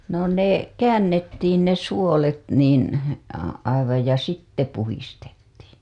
no ne käännettiin ne suolet niin - aivan ja sitten puhdistettiin